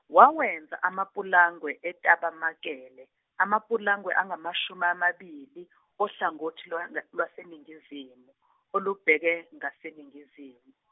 wawenza amapulangwe etabemakele, amapulangwe angamashumi amabili ohlangothi lwanga- lwaseningizimu, olubheke ngaseningizimu.